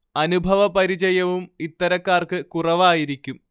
അനുഭവ പരിചയവും ഇത്തരക്കാർക്ക് കുറവായിരിക്കും